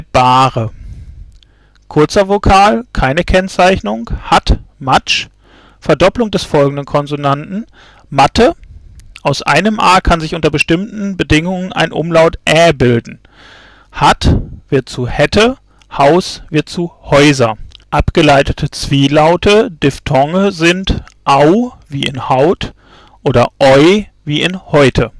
Bahre Kurzer Vokal: Keine Kennzeichnung: hat, Matsch Verdopplung des folgenden Konsonanten: Matte Aus einem A kann sich unter bestimmten Bedingungen ein Umlaut „ ä “bilden. hat: hätte Haus: Häuser Abgeleitete Zwielaute (Diphthonge) sind: au (Haut) äu (Häute